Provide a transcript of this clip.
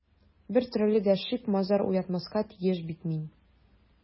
Бер төрле дә шик-мазар уятмаска тиеш бит мин...